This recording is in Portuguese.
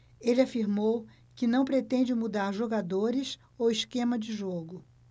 ele afirmou que não pretende mudar jogadores ou esquema de jogo